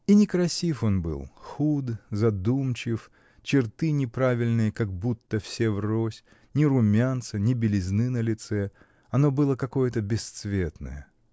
И некрасив он был: худ, задумчив, черты неправильные, как будто все врознь, ни румянца, ни белизны на лице: оно было какое-то бесцветное.